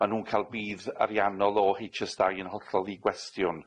Ma' nw'n ca'l budd ariannol o Haitch Ess Dau yn hollol ddigwestiwn.